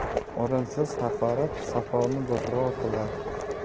o'rinsiz haqorat soqovni burro qilar